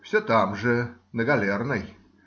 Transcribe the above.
Все там же, на Галерной!.